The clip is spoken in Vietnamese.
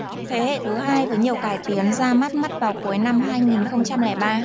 thế hệ thứ hai với nhiều cải tiến ra mắt mắt vào cuối năm hai nghìn không trăm lẻ ba